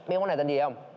biết món này tên gì không